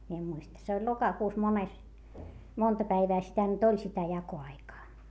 minä en muista se oli lokakuussa mones monta päivää sitä nyt oli sitä jakoaikaa